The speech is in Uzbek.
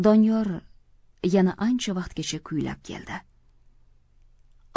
doniyor yana ancha vaqtgacha kuylab keldi